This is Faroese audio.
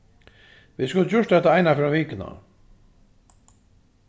vit skuldu gjørt hetta eina ferð um vikuna